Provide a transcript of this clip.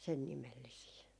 sen nimellisiä